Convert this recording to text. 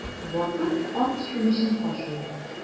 Батыр арт чүмечен кашый.